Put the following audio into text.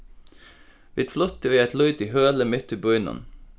vit fluttu í eitt lítið høli mitt í býnum